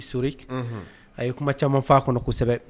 Ri a ye kuma caman faa a kɔnɔ kosɛbɛ